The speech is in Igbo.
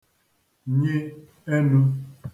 nyi enū